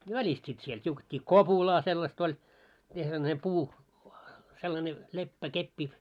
välistä sitten siellä tiukettiin kopulaa sellaista oli miten sellainen puu sellainen leppäkeppi